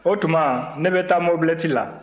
o tuma ne bɛ taa mobilɛti la